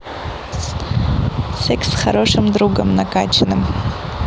секс с хорошим другом накачанным